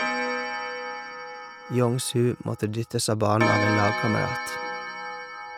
Yong-su måtte dyttes av banen av en lagkamerat.